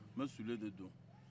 n bɛ sule de don